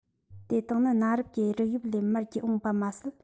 དེ དག ནི གནའ རབས ཀྱི རིགས དབྱིབས ལས མར བརྒྱུད འོངས པ མ ཟད